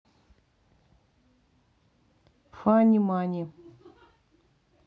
фани мани